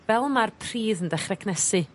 Fel ma'r pridd yn dechre cnesu.